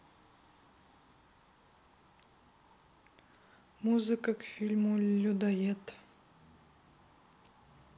музыка к фильму людоед